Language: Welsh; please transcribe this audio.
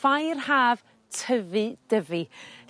Ffair haf tyfu Dyfi.